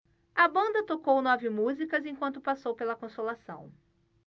a banda tocou nove músicas enquanto passou pela consolação